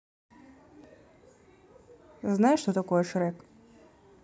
знаешь что такое шрек